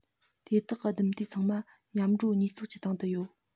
དེ དག གི ཟླུམ ལྟེ ཚང མ མཉམ འགྲོ གཉིས རྩེག གི སྟེང དུ ཡོད